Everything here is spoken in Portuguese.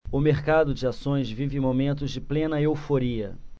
o mercado de ações vive momentos de plena euforia